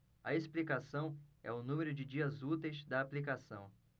a explicação é o número de dias úteis da aplicação